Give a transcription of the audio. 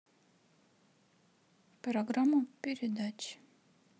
программу передач